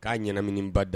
K'a ɲɛnamininba dan.